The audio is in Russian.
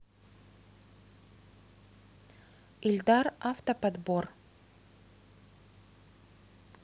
ильдар авто подбор